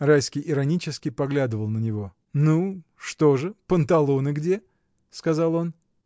Райский иронически поглядывал на него. — Ну, что же, панталоны где? — сказал он.